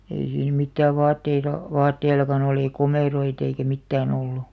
ei siinä mitään vaatteilla vaatteillakaan oli komeroita eikä mitään ollut